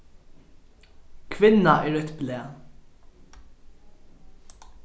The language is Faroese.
kvinna er eitt blað